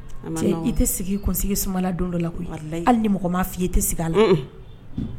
I tɛ sigi i kun sigi sumala don dɔ la hali ni mɔgɔ ma f fɔ i tɛ sigi a la